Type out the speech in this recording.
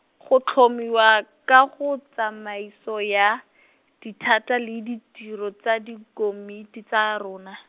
go tlhomiwa kagotsamaiso ya, dithata le ditiro tsa dikomiti tsa rona.